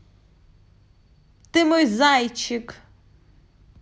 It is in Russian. ты мой зайчик